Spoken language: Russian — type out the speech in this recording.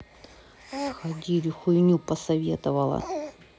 сходили хуйню посоветовала